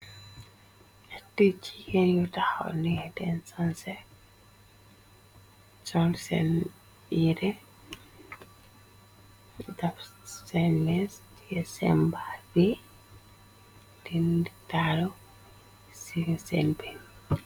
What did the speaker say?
Nyeti jigeen yu taxaw nii den sanse, sol sen yere deff sen mes, tiyee sen bag bi di netalu isenbe.